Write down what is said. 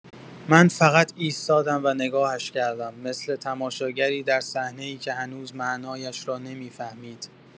من فقط ایستادم و نگاهش کردم، مثل تماشاگری در صحنه‌ای که هنوز معنایش را نمی‌فهمید.